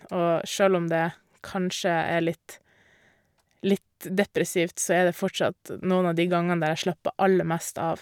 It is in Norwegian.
Og sjøl om det kanskje er litt litt depressivt, så er det fortsatt noen av de gangene der jeg slapper aller mest av.